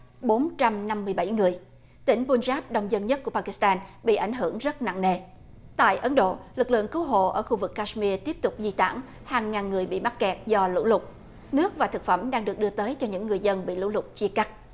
bốn trăm năm mươi bảy người tỉnh pun giáp đông dân nhất của pa ki tan bị ảnh hưởng rất nặng nề tại ấn độ lực lượng cứu hộ ở khu vực cát s mia tiếp tục di tản hàng ngàn người bị mắc kẹt do lũ lụt nước và thực phẩm đang được đưa tới cho những người dân bị lũ lụt chia cắt